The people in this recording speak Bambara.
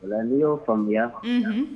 Ola ni yo faamuya.